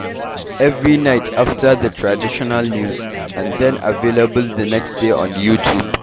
Every Friday night after the traditional news, and then available the next day on YouTube).